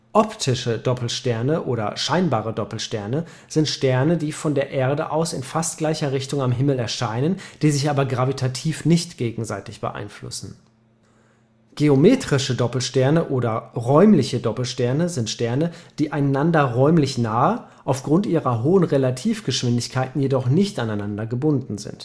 Optische Doppelsterne (scheinbare Doppelsterne): zwei Sterne, die von der Erde aus in fast gleicher Richtung am Himmel erscheinen, die sich aber gravitativ nicht gegenseitig beeinflussen. Geometrische Doppelsterne (räumliche Doppelsterne): Sterne, die einander räumlich nahe, aufgrund ihrer hohen Relativgeschwindigkeiten jedoch nicht aneinander gebunden